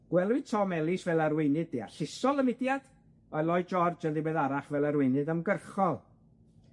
Gwelwyd Tom Ellis fel arweinydd deallusol y mudiad, a Lloyd George yn ddiweddarach fel arweinydd ymgyrchol.